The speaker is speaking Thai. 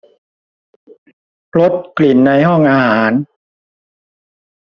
ลดกลิ่นในห้องอาหาร